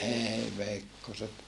ei veikkoset